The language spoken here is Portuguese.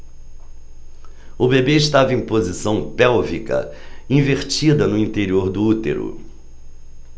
o bebê estava em posição pélvica invertida no interior do útero